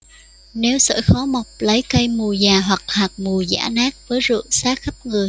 nếu sởi khó mọc lấy cây mùi già hoặc hạt mùi giã nát với rượu sát khắp người